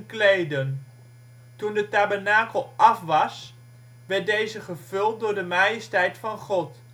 kleden. Toen de tabernakel af was werd deze gevuld door de majesteit van God